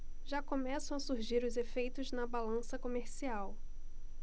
já começam a surgir os efeitos na balança comercial